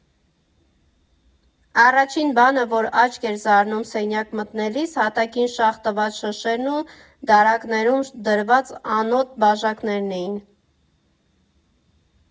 Առաջին բանը, որ աչք էր զարնում սենյակ մտնելիս, հատակին շաղ տված շշերն ու դարակներում դրված անոտ բաժակներն էին։